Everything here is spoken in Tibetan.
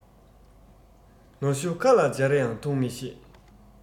ནུ ཞོ ཁ ལ སྦྱར ཡང འཐུང མི ཤེས